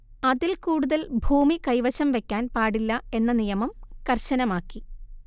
അതിൽ കൂടുതൽ ഭൂമി കൈവശം വെക്കാൻ പാടില്ല എന്ന നിയമം കർശനമാക്കി